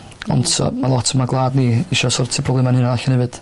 Ond sy- ma' lot o 'ma gwlad ni isio sortio problema'n hun allan hefyd.